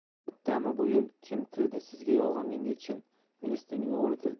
bittami bu yil kim kirdi sizga yolg'on menga chin ministrning o'g'li kirdi